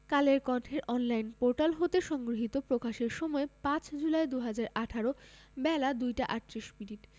কালের কন্ঠের online portal হতে সংগৃহীত প্রকাশের সময় ৫ জুলাই ২০১৮ বেলা ২টা ৩৮ মিনিট